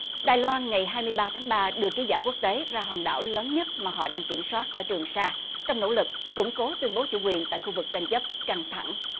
đài loan ngày hai mươi ba tháng ba đưa ký giả quốc tế ra hòn đảo lớn nhất mà họ đang kiểm soát ở trường sa trong nỗ lực củng cố tuyên bố chủ quyền tại khu vực tranh chấp căng thẳng